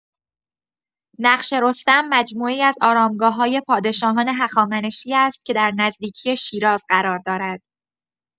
نقش رستم مجموعه‌ای از آرامگاه‌های پادشاهان هخامنشی است که در نزدیکی شیراز قرار دارد.